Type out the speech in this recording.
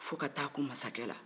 fo ka taa kun mansakɛ la